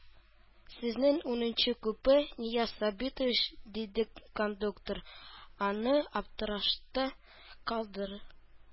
Сезнең унынчы купе, Нияз Сабитович, диде кондуктор, аны аптырашта калдырып.